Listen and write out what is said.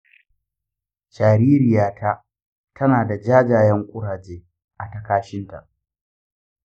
jaririyata tana da jajayen ƙuraje a ta-kashinta.